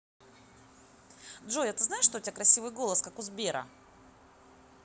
джой а ты знаешь что у тебя красивый голос как у сбера